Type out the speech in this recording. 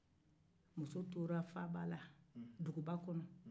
muso tora duguba kɔnɔ